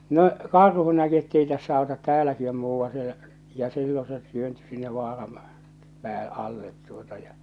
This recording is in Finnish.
no karhu näki että ei tässä auta täälläkin on muuan siellä ja silloin se työntyi sinne vaaran - alle tuota ja